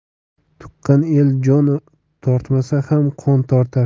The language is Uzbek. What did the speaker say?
tuqqan elga jon tortmasa ham qon tortar